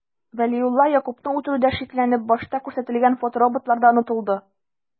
Вәлиулла Ягъкубны үтерүдә шикләнеп, башта күрсәтелгән фотороботлар да онытылды...